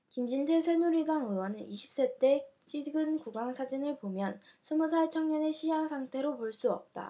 김진태 새누리당 의원은 이십 세 때 찍은 구강 사진을 보면 스무살 청년의 치아 상태로 볼 수 없다